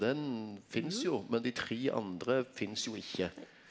den finst jo, men dei tre andre finst jo ikkje.